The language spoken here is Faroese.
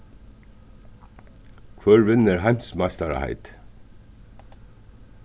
hvør vinnur heimsmeistaraheitið